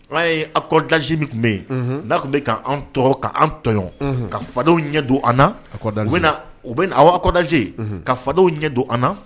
N' yekɔdaz min tun bɛ yen n'a tun bɛ'an tɔ kaan tɔyɔn ka fadenww ɲɛ don an adad u u bɛ awkɔdaje ka fadadenww ɲɛ don an na